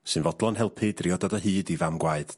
...sy'n fodlo'n helpu drio dod o hyd i fam gwaed...